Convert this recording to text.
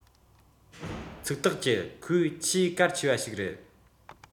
ཚིག ཐག བཅད ཁོ ཆེས གལ ཆེ བ ཞིག རེད